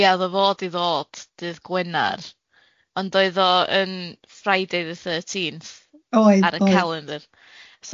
A ia o'dd o fod i ddod dydd Gwener, ond oedd o yn Friday ddy thirtinth ar y calendar.